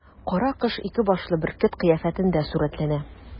Каракош ике башлы бөркет кыяфәтендә сурәтләнә.